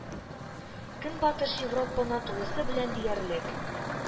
Көнбатыш Европаны тулысы белән диярлек